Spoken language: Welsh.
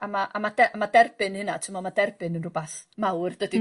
a ma' a ma' der- a ma' derbyn hynna t'mod ma' derbyn yn rwbath mawr dydi...